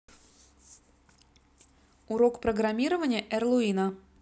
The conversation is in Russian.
урок программирования эрлуина